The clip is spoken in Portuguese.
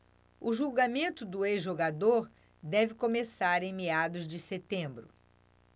o julgamento do ex-jogador deve começar em meados de setembro